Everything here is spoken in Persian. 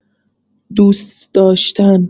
دوست‌داشتن